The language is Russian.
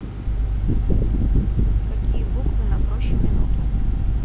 какие буквы на проще минуту